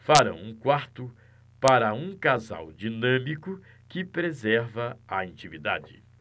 farão um quarto para um casal dinâmico que preserva a intimidade